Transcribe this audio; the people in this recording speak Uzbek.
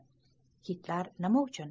kitlar nima uchun